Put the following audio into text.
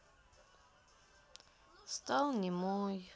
стал немой